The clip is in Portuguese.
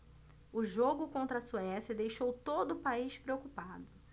o jogo contra a suécia deixou todo o país preocupado